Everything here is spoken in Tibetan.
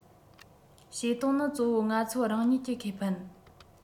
བྱེད དོན ནི གཙོ བོ ང ཚོ རང ཉིད ཀྱི ཁེ ཕན